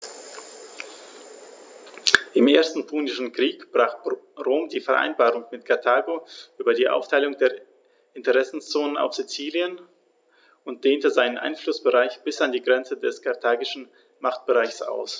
Im Ersten Punischen Krieg brach Rom die Vereinbarung mit Karthago über die Aufteilung der Interessenzonen auf Sizilien und dehnte seinen Einflussbereich bis an die Grenze des karthagischen Machtbereichs aus.